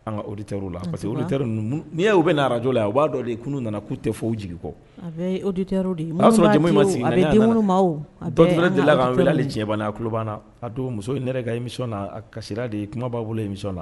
An ka auditeur la parce que n'i y' u bɛna radio la, u b'a dɔ ko n'u nana k'u tɛ f'u jigi kɔ, a bɛ ye auditeur de ye, minnu b'a tilen wo, a bɛ di minnu ma wo, dɔ delila ka weele fo cɛbani, a tulo b'an na, a don muso in, n yɛrɛ ka émission na, a kasira de, kuma b'a bolo émission na.